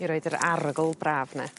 i roid yr arogl braf 'ne.